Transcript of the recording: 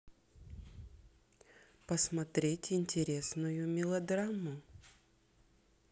посмотреть интересную мелодраму